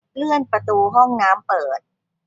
เลื่อนประตูห้องน้ำเปิด